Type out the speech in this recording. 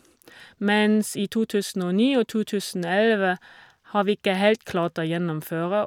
Mens i to tusen og ni og to tusen og elleve har vi ikke helt klart å gjennomføre.